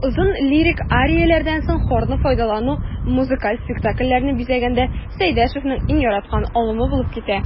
Озын лирик арияләрдән соң хорны файдалану музыкаль спектакльләрне бизәгәндә Сәйдәшевнең иң яраткан алымы булып китә.